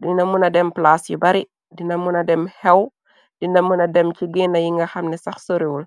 dina muna dem plaase yu bari, dina muna dem xew, dina mëna dem ci genna yi nga xamni sax soriwul.